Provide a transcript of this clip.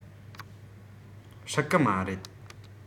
སྲིད གི མ རེད